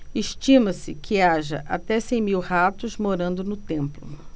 estima-se que haja até cem mil ratos morando no templo